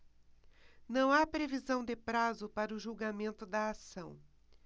não há previsão de prazo para o julgamento da ação